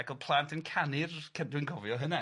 Ac o'dd plant yn canu'r ce- dwi'n cofio hynna ...